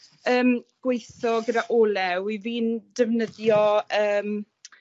yym gweitho gyda olew 'yf fi'n defnyddio yym